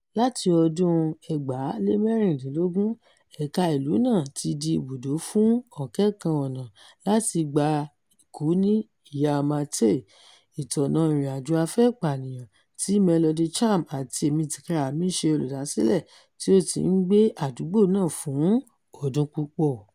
Láti ọdún-un 2016, ẹ̀ka- ìlú náà ti di ibùdó fún "20,000 ọ̀nà láti gbà kú ní Yau Ma Tei", ìtọ́nà "ìrìnàjò afẹ́ ìpànìyàn" tí Melody Chan àti èmitìkarami ṣe olùdásílẹ̀, tí ó ti ń gbé àdúgbò náà fún ọdún púpọ̀.